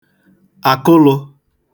àkụlụ̄